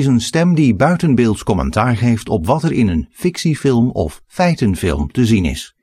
een stem die buitenbeelds commentaar geeft op wat er in een fictiefilm of feitenfilm te zien is